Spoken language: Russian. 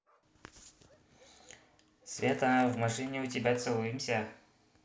света в машине у тебя целуемся